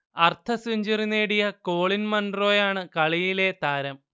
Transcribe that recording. അർധ സെഞ്ച്വറി നേടിയ കോളിൻ മൺറോയാണ് കളിയിലെ താരം